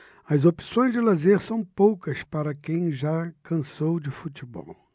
as opções de lazer são poucas para quem já cansou de futebol